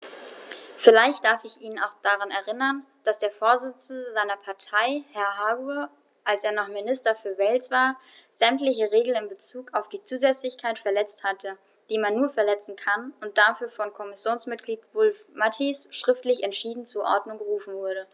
Vielleicht darf ich ihn auch daran erinnern, dass der Vorsitzende seiner Partei, Herr Hague, als er noch Minister für Wales war, sämtliche Regeln in bezug auf die Zusätzlichkeit verletzt hat, die man nur verletzen kann, und dafür von Kommissionsmitglied Wulf-Mathies schriftlich entschieden zur Ordnung gerufen wurde.